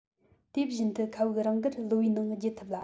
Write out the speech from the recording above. དེ བཞིན དུ མཁའ དབུགས རང དགར གློ བའི ནང རྒྱུ ཐུབ ལ